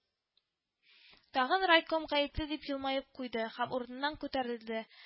“тагын райком гаепле” дип елмаеп куйды һәм урыныннан күтәрелде